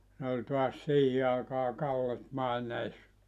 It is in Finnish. ne oli taas siihen aikaan Kallet maineessa